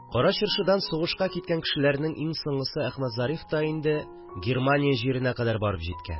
Кара Чыршыдан сугышка киткән кешеләрнең иң соңгысы Әхмәтзариф та инде Германия җиренә кадәр барып җиткән